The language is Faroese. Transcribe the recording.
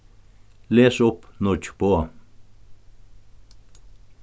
les upp nýggj boð